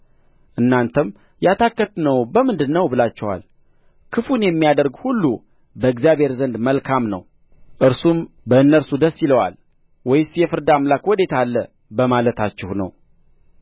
እናንተም ያታከትነው በምንድር ነው ብላችኋል ክፉን የሚያደርግ ሁሉ በእግዚአብሔር ዘንድ መልካም ነው እርሱም በእነርሱ ደስ ይለዋል ወይስ የፍርድ አምላክ ወዴት አለ በማለታችሁ ነው